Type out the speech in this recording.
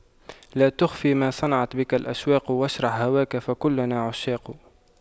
لا تخف ما صنعت بك الأشواق واشرح هواك فكلنا عشاق